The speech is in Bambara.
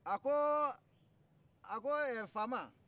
a koo a ko ɛ faama